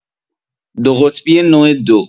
دوقطبی نوع دو